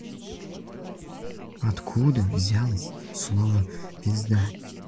откуда взялось слово пизда